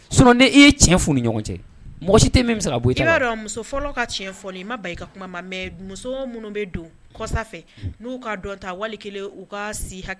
Sinon ni ye cɛn f'u ni ɲɔgɔn cɛ mɔgɔ si tɛ ye min bɛ se ka bɔ i ta la, i b'a dɔn muso fɔlɔ ka tiyɛn fɔli n ma ba i ka kuma ma mais muso minnu bɛ don kɔsafɛ n'u ka dɔn ta wali kelen u ka si hakɛ